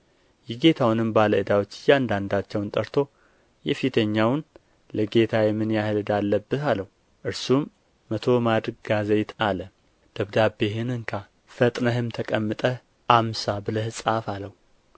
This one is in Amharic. የጌታውንም ባለ ዕዳዎች እያንዳንዳቸውን ጠርቶ የፊተኛውን ለጌታዬ ምን ያህል ዕዳ አለብህ አለው እርሱም መቶ ማድጋ ዘይት አለ ደብዳቤህን እንካ ፈጥነህም ተቀምጠህ አምሳ ብለህ ጻፍ አለው